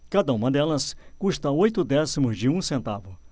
cada uma delas custa oito décimos de um centavo